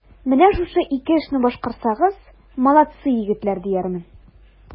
Менә шушы ике эшне башкарсагыз, молодцы, егетләр, диярмен.